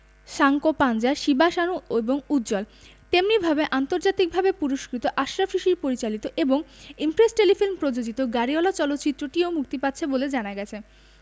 সাঙ্কোপাঞ্জা শিবা সানু এবং উজ্জ্বল তেমনিভাবে আন্তর্জাতিকভাবে পুরস্কৃত আশরাফ শিশির পরিচালিত এবং ইমপ্রেস টেলিফিল্ম প্রযোজিত গাড়িওয়ালা চলচ্চিত্রটিও মুক্তি পাচ্ছে বলে জানা গেছে